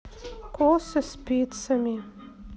косы спицами